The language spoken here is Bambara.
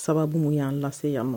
Sababu mun y'an lase yan nɔ